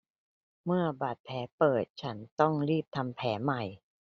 เมื่อบาดแผลเปิดฉันต้องรีบทำแผลใหม่